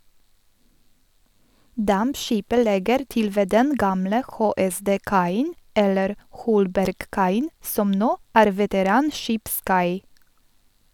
Dampskipet legger til ved den gamle HSD-kaien - eller Holbergkaien - som nå er veteranskipskai.